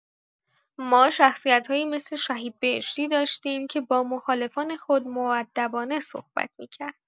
ما شخصیت‌هایی مثل شهیدبهشتی داشتیم که با مخالفان خود مودبانه صحبت می‌کرد.